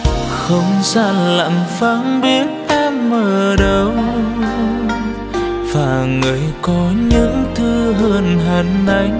không gian lặng vắng biết em ở đâu và người có những thứ hơn hẳn anh